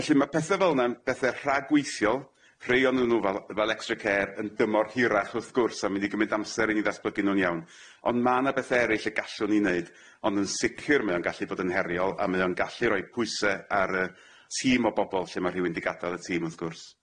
Felly ma' pethe fel na'n bethe rhagweithiol rhei o'n nw fel fel ecsta cêr yn dymor hirach wrth gwrs a'n mynd i gymyd amser i ni ddatblygu nw'n iawn ond ma' 'na bethe eryll y gallwn ni neud ond yn sicir mae o'n gallu bod yn heriol a mae o'n gallu roi pwyse ar yy tîm o bobol lle ma' rhywun 'di gadal y tîm wrth gwrs.